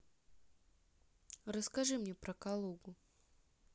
расскажи мне про калугу